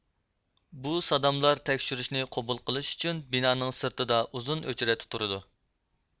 بۇ ساداملار تەكشۈرۈشنى قوبۇل قىلىش ئۈچۈن بىنانىڭ سىرتىدا ئۇزۇن ئۆچىرەتتە تۇردى